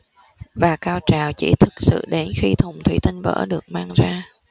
và cao trào chỉ thực sự đến khi thùng thủy tinh vỡ được mang ra